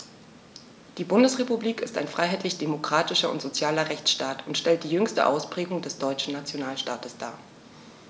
Die Bundesrepublik ist ein freiheitlich-demokratischer und sozialer Rechtsstaat und stellt die jüngste Ausprägung des deutschen Nationalstaates dar.